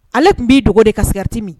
Ale tun b'i dogo de kaigati min